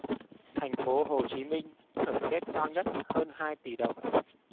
thành phố hồ chí minh thưởng tết cao nhất hơn hai tỉ đồng